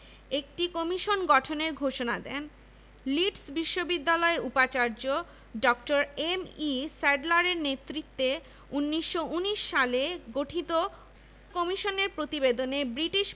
এই কমিটির এবং কলকাতা বিশ্ববিদ্যালয় সিনেটের একমাত্র বাঙালি মুসলমান সদস্য হিসেবে খান বাহাদুর আহসানউল্লাহ বিলটির পক্ষে জোরালো অভিমত পেশ করেন